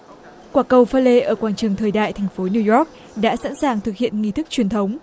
quả cầu pha lê ở quảng trường thời đại thành phố new york đã sẵn sàng thực hiện nghi thức truyền thống